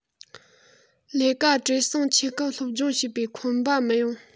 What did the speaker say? ལས ཀ བྲེལ ཟིང ཆེ སྐབས སློབ སྦྱོང བྱེད པའི ཁོམ པ མི ཡོང